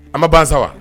An ma basa wa